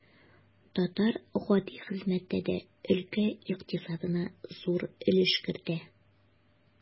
Татар гади хезмәттә дә өлкә икътисадына зур өлеш кертә.